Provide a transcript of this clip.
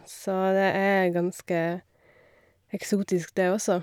Så det er ganske eksotisk, det også.